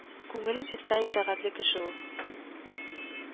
Күңеле чиста, итагатьле кеше ул